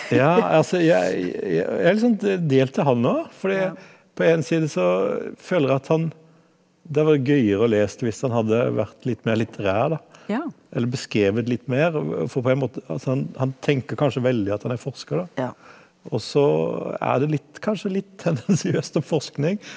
ja altså jeg jeg er litt sånn delt til han òg, fordi på en side så føler jeg at han det hadde vært gøyere å lest hvis han hadde vært litt mer litterær da eller beskrevet litt mer, for på en måte altså han han tenker kanskje veldig at han er forsker da og så er det litt kanskje litt tendensiøst som forskning.